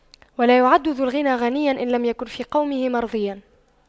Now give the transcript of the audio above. ولا يعد ذو الغنى غنيا إن لم يكن في قومه مرضيا